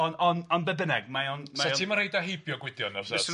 Ond ond ond be bynnag, mae o'n... Sa ti'm yn rhaid o heibio Gwydion, na fysat? Fyswn i ddim.